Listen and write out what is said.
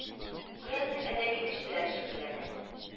Күрәсең әдәби эш белән шөгыльләнә